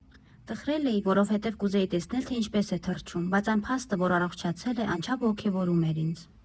Տխրել էի, որովհետև կուզեի տեսնել, թե ինչպես է թռչում, բայց այն փաստը, որ առողջացել է, անչափ ոգևորում էր ինձ։